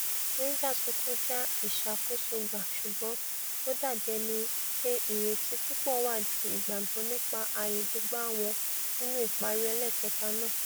Rangers kúkú já ìṣàkóso gbà ṣùgbọ́n ó dàbí ẹnipé ìrètí púpọ̀ wà ju ìgbàgbọ́ nípa ayò gbígbá wọn nínú ìparí ẹlẹ́ẹ̀kẹta náà.